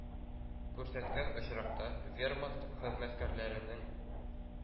Күрсәткән очракта, вермахт, хезмәткәрләренең